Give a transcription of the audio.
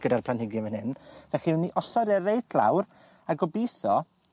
gyda'r planhigyn fyn hyn felly wi myn' i osod e reit lawr a gobitho